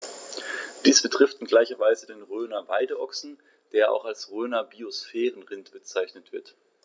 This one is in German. Dies betrifft in gleicher Weise den Rhöner Weideochsen, der auch als Rhöner Biosphärenrind bezeichnet wird.